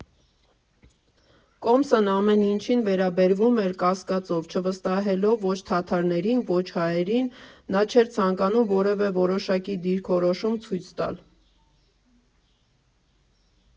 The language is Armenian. Կոմսն ամեն ինչին վերաբերվում էր կասկածով՝ չվստահելով ո՛չ թաթարներին, ո՛չ հայերին, նա չէր ցանկանում որևէ որոշակի դիրքորոշում ցույց տալ։